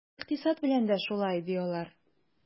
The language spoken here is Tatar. Икътисад белән дә шулай, ди алар.